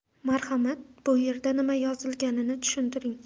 marhamat bu yerda nima yozilganini tushuntiring